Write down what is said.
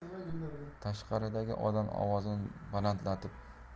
tashqaridagi odam ovozini balandlatib